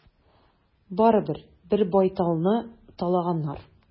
Барыбер, бер байталны талаганнар.